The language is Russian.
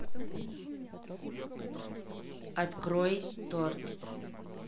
открой торт